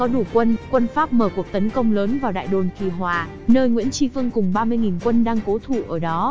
có đủ quân quân pháp mở cuộc tấn công lớn vào đại đồn kỳ hòa nơi nguyễn tri phương cùng quân đang cố thủ ở đó